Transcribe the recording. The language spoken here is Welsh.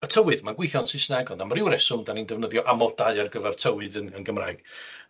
y tywydd, ma'n gwithio'n Sysnag, ond am ryw reswm 'dan ni'n defnyddio amodau ar gyfer tywydd yn yn Gymraeg.